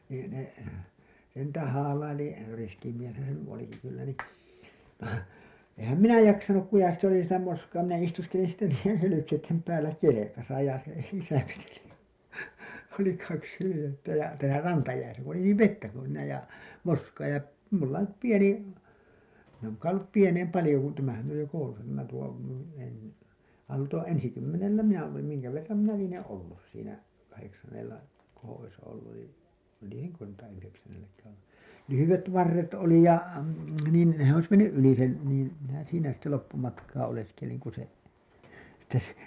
niin ne se niitä haalaili riski mieshän se nyt olikin kyllä niin enhän minä jaksanut kun ja sitten oli sitä moskaa minä istuskelin sitten niiden hylkeiden päällä kelkassa ja se isä veteli oli kaksi hyljettä ja täällä rantajäissä kun oli niin vettä kun siinä ja moskaa ja minulla nyt pieni minä olen kai ollut pienempi paljon kun tämähän on jo koulussa tämä tuo -- tuo ensikymmenellä minä olin minkä verran minä lienen ollut siinä - kahdeksannellako olisi ollut jo lienenkö tuota yhdeksännelläkään ollut lyhyet varret oli ja niin se olisi mennyt yli sen niin minä siinä sitten loppumatkaa oleskelin kun se sitten se